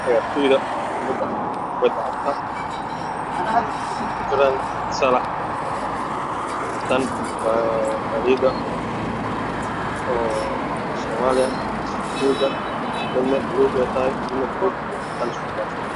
Meeshaan waxaa ka muuqdo ciyaartooy